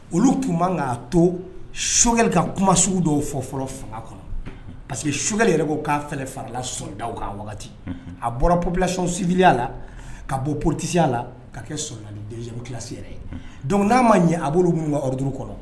Olu tun man k'a to sokɛli ka kuma sugu dɔw fɔ fɔlɔ fanga kɔnɔ pa que sokɛkɛ yɛrɛ'a fɛ farala sɔda kan a bɔra pbilaticsivya la ka bɔ porotetisiya la ka kɛ sonyali kilasi yɛrɛ ye dɔnku n'a ma ɲɛ a b'olu min waridu kɔnɔ